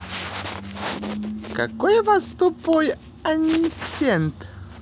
какой вас тупой ассистент